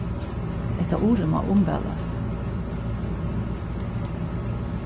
hetta urið má umvælast